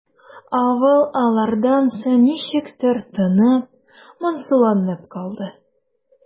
Авыл алардан соң ничектер тынып, моңсуланып калды.